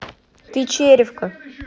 ты черевко